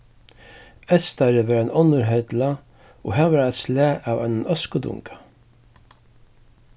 eystari var ein onnur hella og har var eitt slag av einum øskudunga